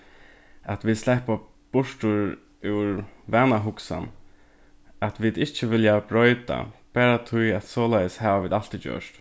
at vit sleppa burtur úr vanahugsan at vit ikki vilja broyta bara tí at soleiðis hava vit altíð gjørt